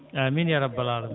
amine ya rabbal alamina